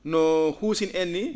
no huusi? en nii